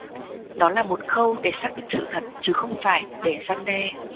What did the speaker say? đó là một khâu để xác định sự thật chứ không phải để răn đe